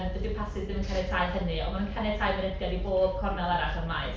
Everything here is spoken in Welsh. Dydy'r pasys ddim yn caniatáu hynny, ond maen nhw yn caniatáu mynediad i bob cornel arall o'r maes.